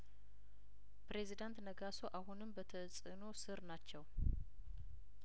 ፕሬዚዳንት ነጋሶ አሁንም በተጽእኖ ስር ናቸው